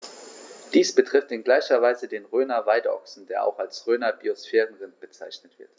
Dies betrifft in gleicher Weise den Rhöner Weideochsen, der auch als Rhöner Biosphärenrind bezeichnet wird.